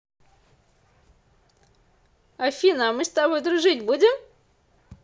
афина а мы с тобой дружить будем